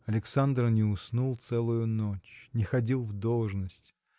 Александр не уснул целую ночь, не ходил в должность.